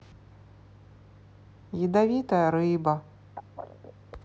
ядовитая рыба